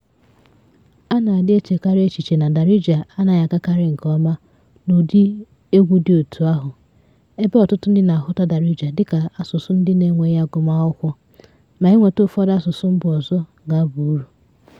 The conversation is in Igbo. A na-adị echekarị echiche na Darija anaghị agakarị nke ọma n'ụdị egwu dị otú ahụ ebe ọtụtụ ndị na-ahụta Darija dịka asụsụ ndị n'enweghị agụmakwụkwọ, ma inweta ụfọdụ asụsụ mba ọzọ ga-aba uru.